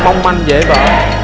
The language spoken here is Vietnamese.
mong manh dễ vỡ